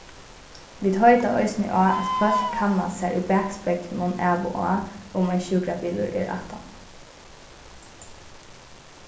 vit heita eisini á at fólk kanna sær í bakspeglinum av og á um ein sjúkrabilur er aftan